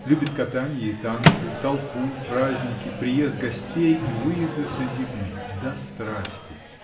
Любит катанье и танцы, толпу, праздники, приезд гостей и выезды с визитами — до страсти.